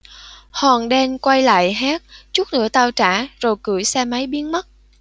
hoàng đen quay lại hét chút nữa tao trả rồi cưỡi xe máy biến mất